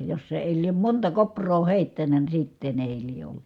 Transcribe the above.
jos se ei lie monta kouraa heittänyt niin sitten ei lie ollut